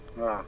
waaw